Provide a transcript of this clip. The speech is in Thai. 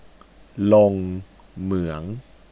ลงเหมือง